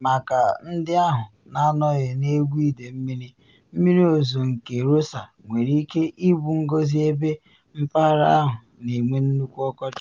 Maka ndị ahụ na anọghị n’egwu ide mmiri, mmiri ozizo nke Rosa nwere ike ịbụ ngozi ebe mpaghara ahụ na enwe nnukwu ọkọchị.